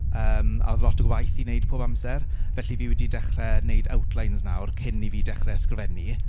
yym a oedd lot o waith i wneud pob amser, felly fi wedi dechrau wneud outlines nawr cyn i fi dechrau ysgrifennu.